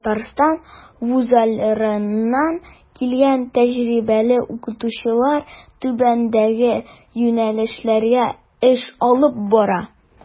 Татарстан вузларыннан килгән тәҗрибәле укытучылар түбәндәге юнәлешләрдә эш алып бара.